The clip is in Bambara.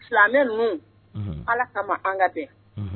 Silamɛmɛ ninnu ala ka ma an ka bɛn